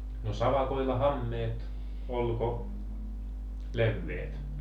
no savakoilla hameet oliko leveät